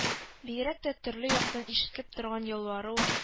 Бигрәк тә төрле яктан ишетелеп торган ялвару